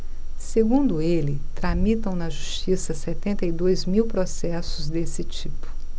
segundo ele tramitam na justiça setenta e dois mil processos desse tipo